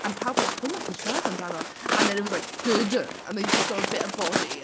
a oedd pawb fel "Pwy mae hi'n siarad amdano?" And then it was like "duh-dun" and then you just saw a bit of body.